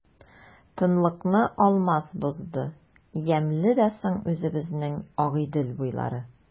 Тынлыкны Алмаз бозды:— Ямьле дә соң үзебезнең Агыйдел буйлары!